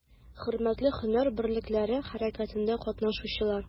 Хөрмәтле һөнәр берлекләре хәрәкәтендә катнашучылар!